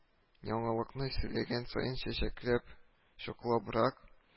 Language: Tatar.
Яңалыкны сөйләгән саен чәчәкләп-чуклабрак